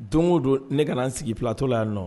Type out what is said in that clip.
Don o don ne ka n sigilatɔ la yan nɔ